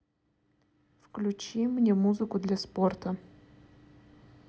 включи мне музыку для спорта